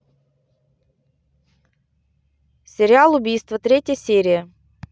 сериал убийство третья серия